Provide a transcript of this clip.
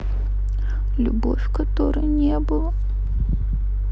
любовь которой не было